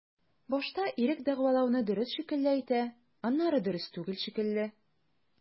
Башта ирек дәгъвалауны дөрес шикелле әйтә, аннары дөрес түгел шикелле.